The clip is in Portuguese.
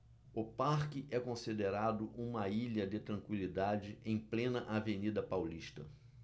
o parque é considerado uma ilha de tranquilidade em plena avenida paulista